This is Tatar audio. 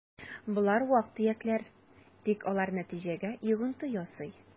Болар вак-төякләр, тик алар нәтиҗәгә йогынты ясый: